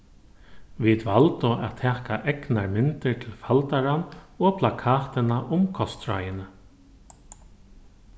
vit valdu at taka egnar myndir til faldaran og plakatina um kostráðini